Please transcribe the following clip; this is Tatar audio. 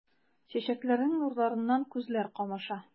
Чәчәкләрнең нурларыннан күзләр камаша.